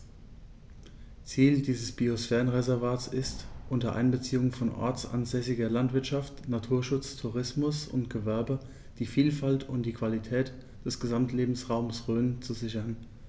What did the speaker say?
Ziel dieses Biosphärenreservates ist, unter Einbeziehung von ortsansässiger Landwirtschaft, Naturschutz, Tourismus und Gewerbe die Vielfalt und die Qualität des Gesamtlebensraumes Rhön zu sichern.